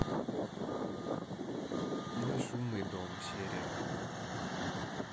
мой шумный дом серия